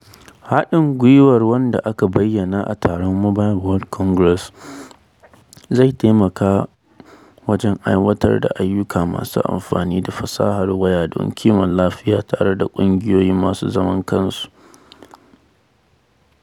Haɗin gwiwar, wanda aka bayyana a taron Mobile World Congress, zai taimaka wajen aiwatar da ayyuka masu amfani da fasahar waya don kiwon lafiya tare da ƙungiyoyi masu zaman kansu da na gwamnati.